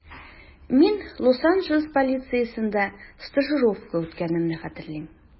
Мин Лос-Анджелес полициясендә стажировка үткәнемне хәтерлим.